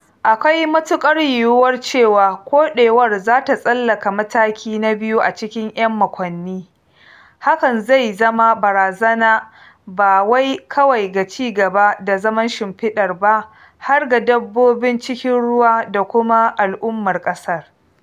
Akwai matuƙar yiwuwar cewa koɗewar za ta tsallaka mataki na biyu a cikin 'yan makonni, hakan zai zama barazana ba wai kawai ga cigaba da zaman shimfiɗar ba har ga dabbobin cikin ruwa da kuma al'ummar ƙasar.